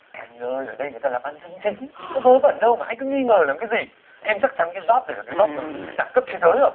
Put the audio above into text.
anh ơi ở đây người ta làm ăn chân chính có vớ vẩn đâu mà anh cứ nghi ngờ làm cái gì em chắc chắn cái dóp này là cái dóp đẳng cấp thế giới rồi